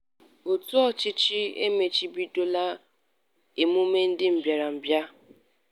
4. òtù ọchịchị a machibidola emume ndị mbịarambịa.